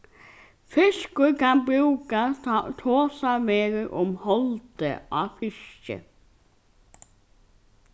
fiskur kann brúkast tá tosað verður um holdið á fiski